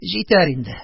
Җитәр инде: